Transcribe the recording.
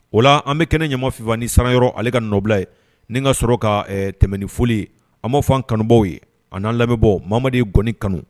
O la an bɛ kɛnɛ ɲamamafin2 ni sanuyɔrɔ ale ka n nɔbila ye ni ka sɔrɔ ka tɛmɛn ni foli an mao fɔ kanubaw ye a'a lamɛnbɔ mamaden gi kanu